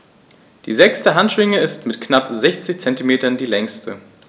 Die sechste Handschwinge ist mit knapp 60 cm die längste.